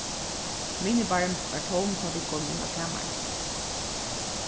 minibarrin var tóm tá vit komu inn á kamarið